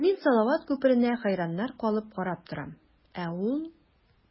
Мин салават күперенә хәйраннар калып карап торам, ә ул...